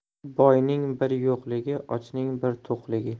boyning bir yo'qligi ochning bir to'qhgi